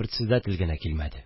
председатель генә килмәде